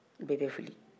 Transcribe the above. bɛɛ bɛ fili